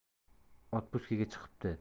otpuskaga chiqibdi